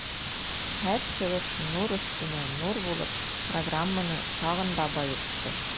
Һәр чыгыш нур өстенә нур булып, программаны тагын да баетты.